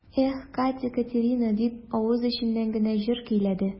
Эх, Катя-Катерина дип, авыз эченнән генә җыр көйләде.